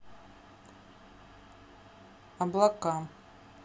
облака